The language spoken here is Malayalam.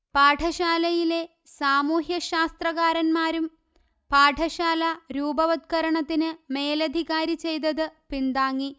പാഠശാലയിലെ സാമൂഹ്യശാസ്ത്രകാരന്മാരും പാഠശാല രൂപവത്കരണത്തിൻമേലധികാരി ചെയ്തത് പിന്താങ്ങി